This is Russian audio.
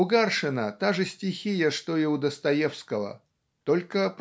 У Гаршина - та же стихия, что и у Достоевского только